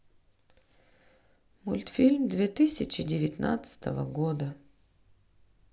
мультфильм две тысячи девятнадцатого года